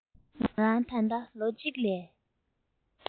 ང རང ད ལྟ ལོ གཅིག ལས